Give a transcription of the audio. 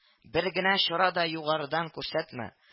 Бер генә чара да югарыдан күрсәтмә